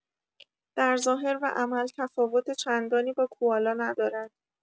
در ظاهر و عمل تفاوت چندانی با کوالا ندارد.